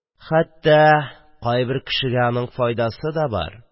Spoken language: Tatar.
Хәттә кайбер кешегә аның файдасы да бар...